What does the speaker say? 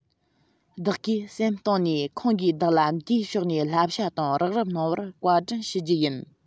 བདག གིས སེམས གཏིང ནས ཁོང གིས བདག ལ འདིའི ཕྱོགས ནས བསླབ བྱ དང རོགས རམ གནང བར དཀའ དྲིན ཞུ རྒྱུ ཡིན